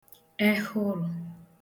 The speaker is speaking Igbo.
ẹhụrụ̀